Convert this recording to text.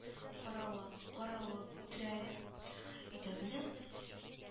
- каравыл, каравыл, үтерәләр!.. өйдәгеләр